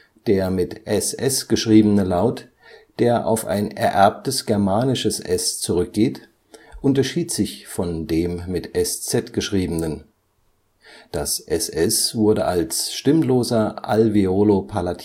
Der mit ss geschriebene Laut, der auf ein ererbtes germanisches / s / zurückgeht, unterschied sich von dem mit sz geschriebenen; das ss wurde als stimmloser alveolo-palataler